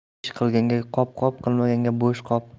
ish qilganga qop qop qilmaganga bo'sh qop